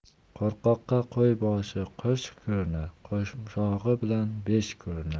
qo'rqoqqa qo'y boshi qo'sh ko'rinar qo'mshog'i bilan besh ko'rinar